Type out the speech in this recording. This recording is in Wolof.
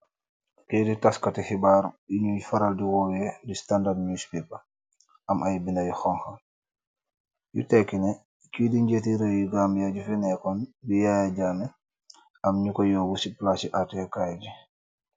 Tereh tass kateh hibarr , yugeh faral di ohyeh the standard newspaper , emm ayy bendah yu honha , yu tekeh neeh ki di giteh Gambia kufi nekon , Yaya Jammeh nukoh yobuh sii palassi ateh kaii bi .